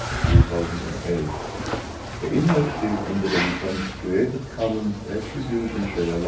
vom Der Inhalt steht unter der Lizenz Creative Commons Attribution Share